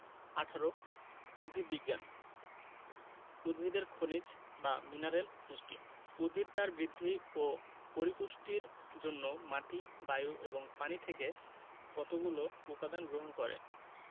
১৮ উদ্ভিদ বিজ্ঞান উদ্ভিদের খনিজ বা মিনারেল পুষ্টি উদ্ভিদ তার বৃদ্ধি ও পরিপুষ্টির জন্য মাটি বায়ু এবং পানি থেকে কতগুলো উপদান গ্রহণ করে